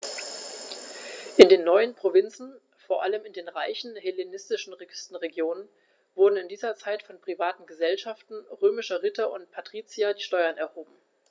In den neuen Provinzen, vor allem in den reichen hellenistischen Küstenregionen, wurden in dieser Zeit von privaten „Gesellschaften“ römischer Ritter und Patrizier die Steuern erhoben.